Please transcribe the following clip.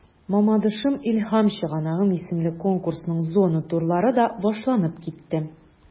“мамадышым–илһам чыганагым” исемле конкурсның зона турлары да башланып китте.